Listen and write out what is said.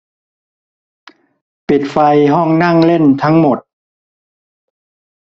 ปิดไฟห้องนั่งเล่นทั้งหมด